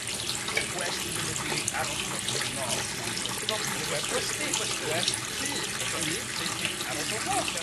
yy a ma' gwest yn golygu aros dros nos mewn yn y gair gwesty gwesty gwest tŷ ocê. tŷ lle ti'n aros dros nos. Ia.